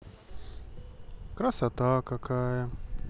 красота красота